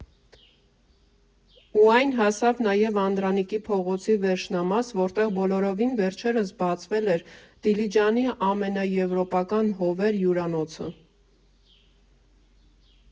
Ու այն հասավ նաև Անդրանիկի փողոցի վերջնամաս, որտեղ բոլորովին վերջերս բացվել էր Դիլիջանի ամենաեվրոպական «Հովեր» հյուրանոցը։